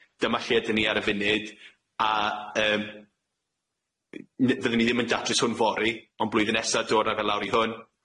Dyma lle yda ni ar y funud a yym n- fyddwn ni ddim yn datrys hwn fory ond blwyddyn nesa dod â fe lawr i hwn,